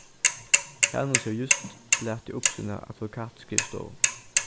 hanus hevur júst latið upp sína advokatskrivstovu